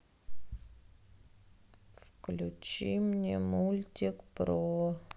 включи мне мультик про